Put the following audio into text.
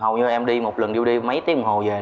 hầu như em đi một lần đi đi mấy tiếng đồng hồ